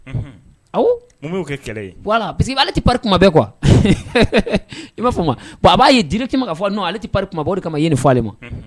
Unhun awɔ a yo kɛ kɛlɛ ye. parceque ale ti pari kuma bɛɛ quoi . I ma famu wa . Bon a ba ye directement ka fɔ ale ti pari kuma bɛɛ o de kama i ye nin fɔ ale ma.